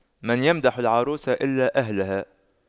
من يمدح العروس إلا أهلها